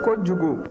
kojugu